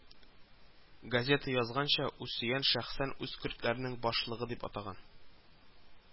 Газеты язганча, усоян шәхсән үзен көрдләрнең башлыгы дип атаган